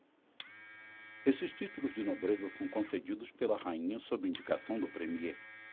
esses títulos de nobreza são concedidos pela rainha sob indicação do premiê